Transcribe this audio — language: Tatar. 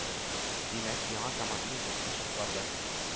Димәк, яңа команданы җитди шартларда